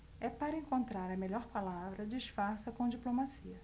é para encontrar a melhor palavra disfarça com diplomacia